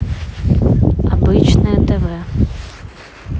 обычное тв